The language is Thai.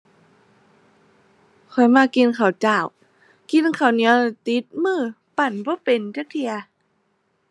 ข้อยมักกินข้าวจ้าว กินข้าวเหนียวแล้วติดมือปั้นบ่เป็นจักเที่ย